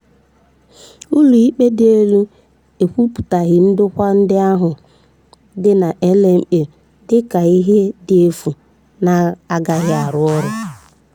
Ụlọikpe Dị Elu ekwupụtaghị ndokwa ndị ahụ dị na LMA dị ka ihe dị efu na-agaghị arụ ọrụ.